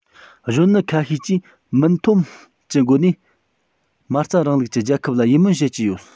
གཞོན ནུ ཁ ཤས ཀྱིས མུན ཐོམ གྱི སྒོ ནས མ རྩའི རིང ལུགས ཀྱི རྒྱལ ཁབ ལ ཡིད སྨོན བྱེད ཀྱི ཡོད